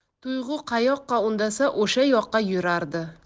tuyg'u qayoqqa undasa o'sha yoqqa yurardi